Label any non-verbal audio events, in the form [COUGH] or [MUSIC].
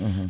[HESITATION] [HESITATION]